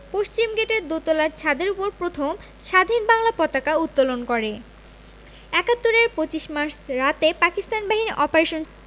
পশ্চিমগেটের দোতলার ছাদের উপর প্রথম স্বাধীন বাংলার পতাকা উত্তোলন করে ৭১ এর ২৫ মার্চ রাতে পাকিস্তান বাহিনী অপারেশন